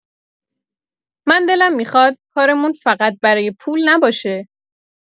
من دلم می‌خواد کارمون فقط برای پول نباشه.